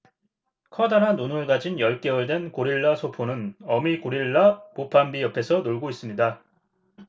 커다란 눈을 가진 열 개월 된 고릴라 소포는 어미 고릴라 모팜비 옆에서 놀고 있습니다